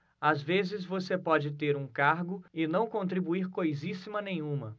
às vezes você pode ter um cargo e não contribuir coisíssima nenhuma